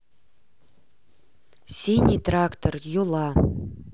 синий трактор юла